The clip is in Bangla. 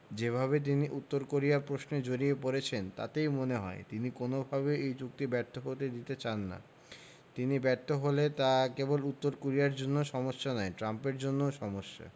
যেভাবে তিনি উত্তর কোরিয়া প্রশ্নে জড়িয়ে পড়েছেন তাতে মনে হয় তিনি কোনোভাবেই এই চুক্তি ব্যর্থ হতে দিতে চান না তিনি ব্যর্থ হলে তা কেবল উত্তর কোরিয়ার জন্য সমস্যা নয় ট্রাম্পের জন্যও সমস্যা